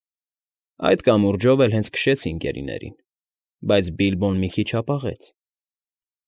Այդ կամուրջով էլ հենց քշեցին գերիներին, բայց Բիլբոն մի քիչ հապաղեց։